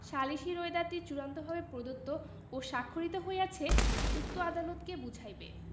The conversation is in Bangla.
সালিসী রোয়েদাদটি চূড়ান্তভাবে প্রদত্ত ও স্বাক্ষরিত হইয়াছে উক্ত আদালতকে বুঝাইবে